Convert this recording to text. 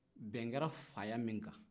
bɛn kɛra faya min kan